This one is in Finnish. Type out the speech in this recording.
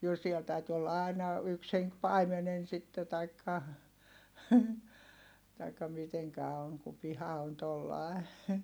jo siellä täytyi olla aina yksi henki paimenena sitten tai tai miten on kun piha on tuolla lailla